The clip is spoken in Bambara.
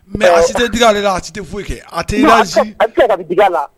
Mɛ a si tɛ d ale la a si tɛ foyi kɛ a tɛ la